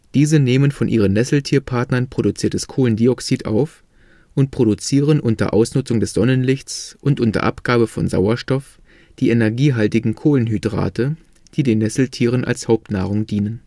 Diese nehmen von ihren Nesseltierpartnern produziertes Kohlendioxid auf und produzieren unter Ausnutzung des Sonnenlichts und unter Abgabe von Sauerstoff die energiehaltigen Kohlenhydrate, die den Nesseltieren als Hauptnahrung dienen